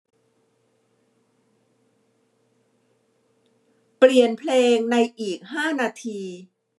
เปลี่ยนเพลงในอีกห้านาที